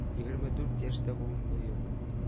Егерме дүрт яшь тә булмый ул